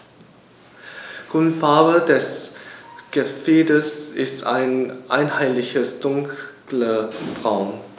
Grundfarbe des Gefieders ist ein einheitliches dunkles Braun.